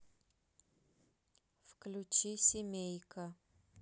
включи семейка